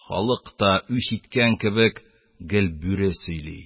Халык та, үч иткән кебек, гел бүре сөйли